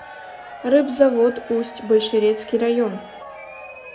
рыбзавод усть большерецкий район